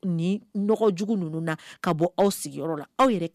Ni nɔgɔjugu ninnu na ka bɔ aw sigiyɔrɔ la aw yɛrɛ